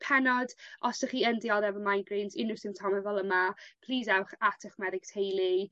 pennod os 'dych chi yn diodde efo migraines unryw symptome fel yma plîs ewch at 'ych meddyg teulu.